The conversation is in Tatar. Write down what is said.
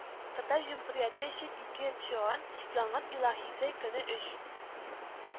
Кытай Җөмһүрияте Чит Ики Тчоэн, янгын илаһисе көне өч